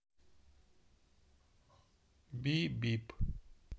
би бип